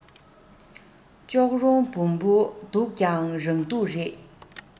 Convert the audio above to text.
ལྕོག རོང བོང བུ སྡུག ཀྱང རང སྡུག རེད